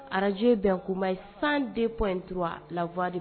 Arajo bɛn kuma ye san dep intura lawa